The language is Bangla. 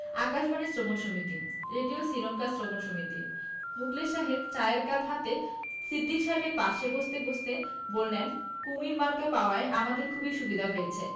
আকাশবাণী শ্রবণ সমিতি রেডিও শীলংকা শ্রবণ সমিতি মুখলেস সাহেব চায়ের কাপ হাতে সিদ্দিক সাহেবের পাশে বসতে বসতে বললেন কুমীর মার্কা পাওয়ায় আমাদের খুবই সুবিধা হয়েছে